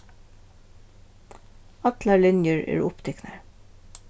allar linjur eru upptiknar